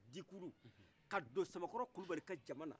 dikulu ka don samakɔrɔ kulibali ka jaman na